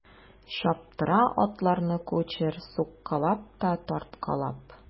Чаптыра атларны кучер суккалап та тарткалап.